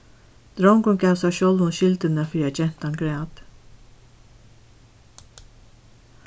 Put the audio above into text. drongurin gav sær sjálvum skyldina fyri at gentan græt